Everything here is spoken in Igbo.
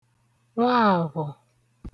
Nwaàvhọ̀